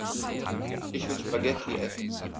Ich will Spaghetti essen.